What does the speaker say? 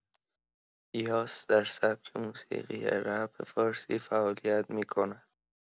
یاس در سبک موسیقی رپ فارسی فعالیت می‌کند.